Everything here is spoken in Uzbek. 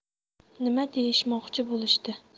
nima deyishmoqchi bo'lishdi